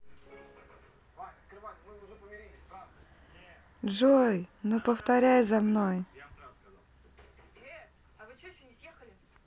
джой ну повторяй за мной